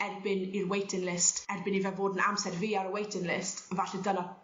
...erbyn i'r waiting list erbyn i fe fod yn amser fi ar y waiting list efalle dyna